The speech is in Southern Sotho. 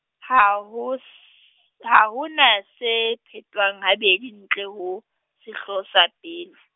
ha ho s-, ha ho na se phetwang habedi ntle ho, sehlooho sa pale.